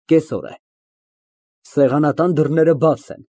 Կեսօր է։ Սեղանատան դռները բաց են։